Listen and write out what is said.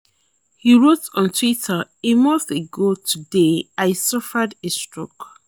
He wrote on Twitter: "A month ago today I suffered a stroke.